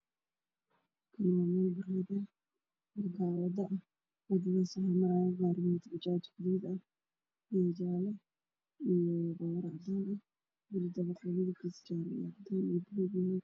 Meeshaan waalami ay marayaan bajaajyo guduud ah meel xaggan uu taagan yahay gaari cad re waddada dhaxdeeda